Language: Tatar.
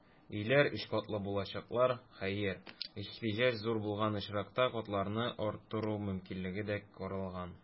Өйләр өч катлы булачаклар, хәер, ихтыяҗ зур булган очракта, катларны арттыру мөмкинлеге дә каралган.